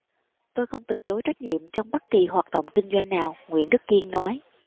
tôi không từ chối trách nhiệm trong bất kỳ hoạt động kinh doanh nào nguyễn đức kiên nói